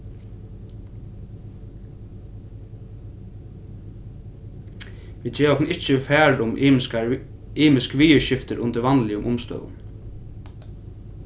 vit geva okkum ikki far um ymisk viðurskifti undir vanligum umstøðum